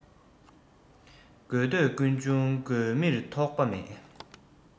དགོས འདོད ཀུན འབྱུང དགོས མིར ཐོགས པ མེད